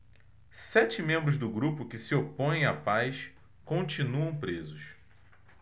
sete membros do grupo que se opõe à paz continuam presos